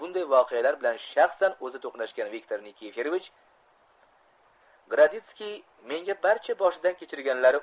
bunday voqealar bilan shaxsan o'zi to'qnashgan viktor nikiforovich gorodetskiy menga barcha boshidan kechirganlari